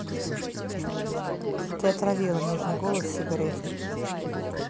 ты отравила нежный голос сигаретой